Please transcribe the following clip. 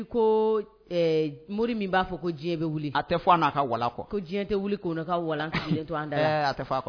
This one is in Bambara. Ko mori min ba fɔ ko jiɲɛ bi wuli, a tɛ fɔ a na ka walalan kɔ . Ko jiɲɛ tɛ wuli ko na ka walan sigilen to an da la. Ɛɛ a tɛ fɔ a